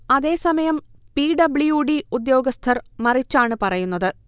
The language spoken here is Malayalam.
അതേ സമയം പി. ഡബ്ല്യു. ഡി ഉദ്യോഗസ്ഥർ മറിച്ചാണ് പറയുന്നത്